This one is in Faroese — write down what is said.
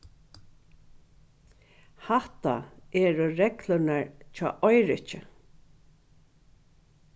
hatta eru reglurnar hjá eiriki